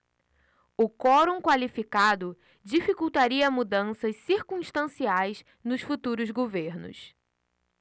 o quorum qualificado dificultaria mudanças circunstanciais nos futuros governos